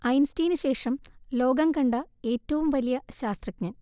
ഐൻസ്റ്റീന് ശേഷം ലോകം കണ്ട ഏറ്റവും വലിയ ശാസ്ത്രജ്ഞൻ